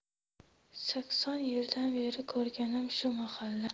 sakson yildan beri ko'rganim shu mahalla